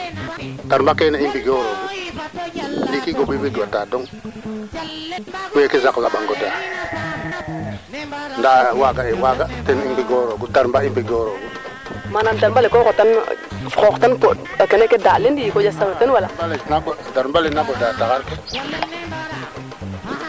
i merci beaucoup Mame Waly boo ndiik rek kamo pisole o Ndang MamE Waly leya mene faley fa njegu fa njegu njiriñ lool lool nda o ndeeta ngaan rek nan maagu mbaagu mbi bo mbaago ŋeman xa qola xe nuun wala ŋeman pin ke nuun bata xen bo an naye roog fe refke kaa betna nuun nam mbaagu mbaago organiser it kaaga